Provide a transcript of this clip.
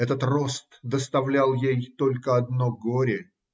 Этот рост доставлял ей только одно горе